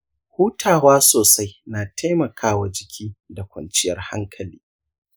hutawa sosai na taimaka wa jiki da kwanciyar hankali.